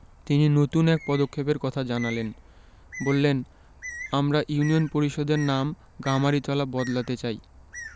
তিনি নতুন এক পদক্ষেপের কথা জানালেন বললেন আমরা ইউনিয়ন পরিষদের নাম গামারিতলা বদলাতে চাই